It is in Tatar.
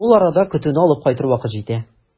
Ул арада көтүне алып кайтыр вакыт җитә.